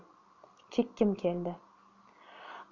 chekkim keldi